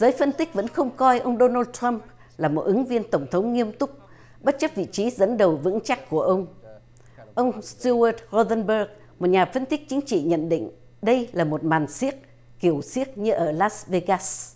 giới phân tích vẫn không coi ông đô nô trăm là một ứng viên tổng thống nghiêm túc bất chấp vị trí dẫn đầu vững chắc của ông ông tiu uất hô dân bấc một nhà phân tích chính trị nhận định đây là một màn xiết kiểu xiết như ở lát vê gát